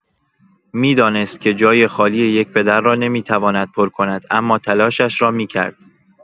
می‌دانست که جای خالی یک پدر را نمی‌تواند پر کند، اما تلاشش را می‌کرد.